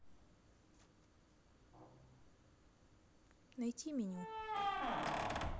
найти меню